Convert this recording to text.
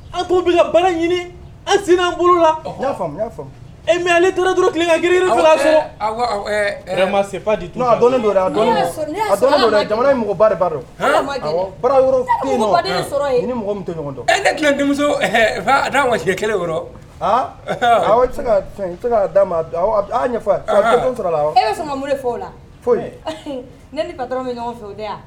A tun ɲini an sin'an bolo e mɛ ni duuruuru ka g kelen aa ma e la